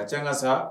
A cɛ ka sa!